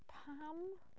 Pam?